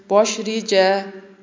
bosh reja